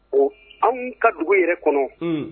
O anw ka dugu yɛrɛ kɔnɔ. Unhun